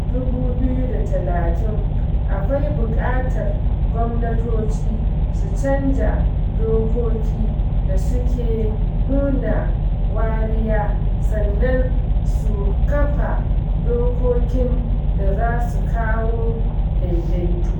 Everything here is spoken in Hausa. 2030, akwai buƙatar gwamnatoci su chanja dokoki da suke nuna wariya sannan su kafa dokokin da za su kawo daidaito.